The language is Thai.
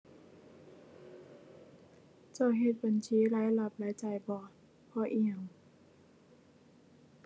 เจ้าเฮ็ดบัญชีรายรับ รายจ่ายบ่ เพราะอิหยัง